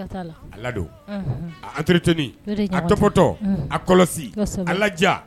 Dutorret a tɔptɔ a kɔlɔsija